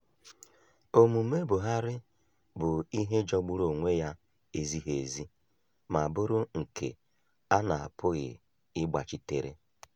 Omume Buhari bụ ihe jọgburu onwe ya, ezighị ezi ma bụrụ nke a na-apụghị ịgbachitere.